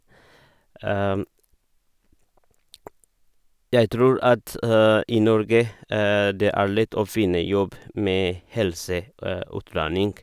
Jeg tror at i Norge det er lett å finne jobb med helseutdanning.